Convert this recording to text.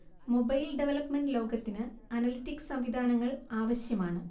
mobile development ലോകത്തിന് analytics സംവിധാനങ്ങൾ ആവശ്യമാണ്